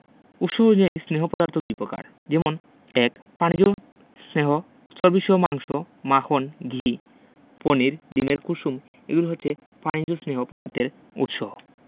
উৎস অনুযায়ী স্নেহ পদার্থ দুই প্রকার যেমন ১ প্রাণিজ স্নেহ চর্বিসহ মাংস মাখন ঘি পনির ডিমের কুসুম এগুলো হচ্ছে প্রাণিজ স্নেহ পদার্থের উৎস